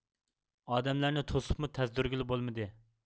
ئادەملەرنى توسۇپمۇ تەزدۈرگىلى بولمىدى